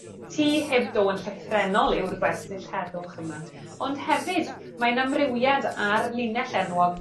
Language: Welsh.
Tŷ heb do yn llythrennol yw'r gwersyll heddwch yma. Ond hefyd, mae'n amrywiad ar linell enwog